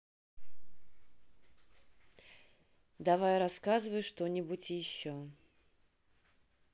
давай рассказывай что нибудь еще